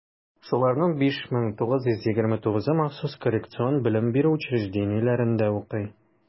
Шуларның 5929-ы махсус коррекцион белем бирү учреждениеләрендә укый.